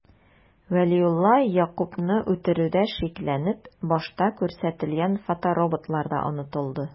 Вәлиулла Ягъкубны үтерүдә шикләнеп, башта күрсәтелгән фотороботлар да онытылды...